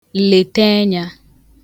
lèteenya